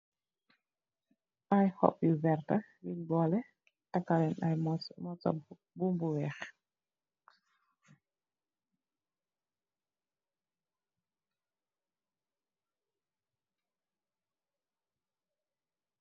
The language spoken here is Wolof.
Ak xob yu verta, yuñg boole, takkë leen ay morso bu weex.